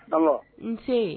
Ɔwɔ nse